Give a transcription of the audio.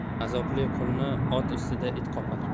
azobli qulni ot ustida it qopar